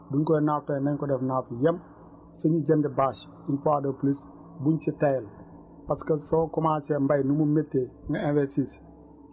buñ koy naaf tamit nañ ko def naaf yu yam si ñu jënd bâche une fois de plus buñ si tayal parce que soo commencé mbay ni mu méttee nga investir si